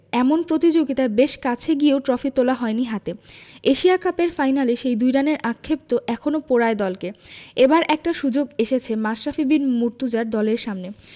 এমন প্রতিযোগিতায় বেশ কাছে গিয়েও ট্রফি তোলা হয়নি হাতে এশিয়া কাপের ফাইনালে সেই ২ রানের আক্ষেপ তো এখনো পোড়ায় দলকে এবার একটা সুযোগ এসেছে মাশরাফি বিন মুর্তজার দলের সামনে